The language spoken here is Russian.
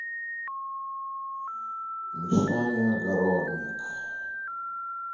мишаня огородник